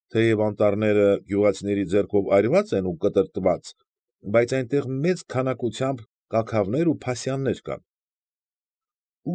Թեև անտառները գյուղացիների ձեռքերով այրված են ու կտրատված, բայց այնտեղ մեծ քանակությամբ կաքավներ ու փասյաններ կան։ ֊